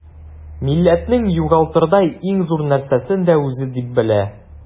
Милләтнең югалтырдай иң зур нәрсәсен дә үзе дип белә.